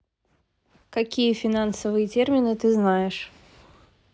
какие финансовые термины ты знаешь